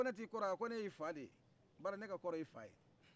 a ko ne t'i kɔrɔ ye a ko ne y'i fa de ye bari ne ka kɔrɔ n'i fa ye